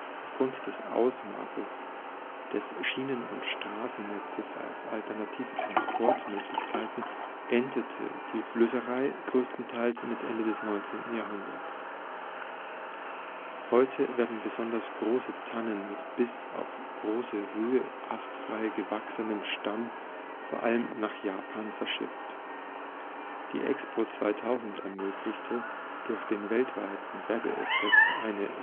Aufgrund des Ausbaus des Schienen - und Straßennetzes als alternative Transportmöglichkeiten endete die Flößerei größtenteils mit Ende des 19. Jahrhunderts. Heute werden besonders große Tannen mit bis auf große Höhe astfrei gewachsenem Stamm vor allem nach Japan verschifft. Die Expo 2000 ermöglichte durch den weltweiten Werbeeffekt eine